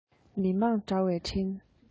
མི དམངས དྲ བའི འཕྲིན